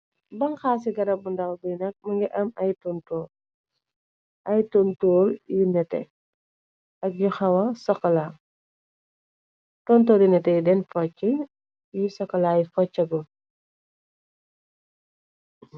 Banxaa ci garabu ndaw buy nag më nga am ay nak yu xawa sokola tontoor yu nete yi den focci yu sokolaa yu foccagul.